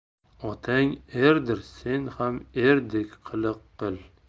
otang erdir sen ham erdek qiliq qil